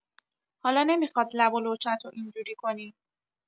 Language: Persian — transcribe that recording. حالا نمیخواد لب و لوچتو اینجوری کنی!